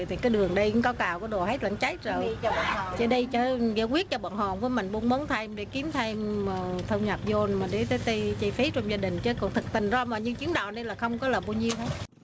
thịt có đường đi có cả đồ hết cháy rồi chở đi chơi ở giải quyết cho bọn hồn mình buôn bán thêm để kiếm thêm thu nhập dồn chi phí chi phí trong gia đình trên cầu thuận tình ra mà nhưng chiến đầu nên là không có là bao nhiêu